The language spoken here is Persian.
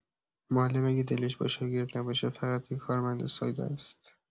معلم اگه دلش با شاگرد نباشه، فقط یه کارمند ساده‌ست.